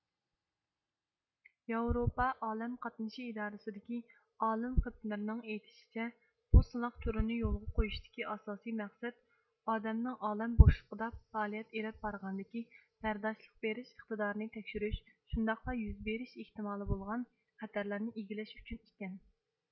ياۋروپا ئالەم قاتنىشى ئىدارىسىدىكى ئالىم خېپنېرنىڭ ئېيتىشىچە بۇ سىناق تۈرىنى يولغا قويۇشتىكى ئاساسىي مەقسەت ئادەمنىڭ ئالەم بوشلۇقىدا پائالىيەت ئېلىپ بارغاندىكى بەرداشلىق بېرىش ئىقتىدارىنى تەكشۈرۈش شۇنداقلا يۈز بېرىش ئېھتىمالى بولغان خەتەرلەرنى ئىگىلەش ئۈچۈن ئىكەن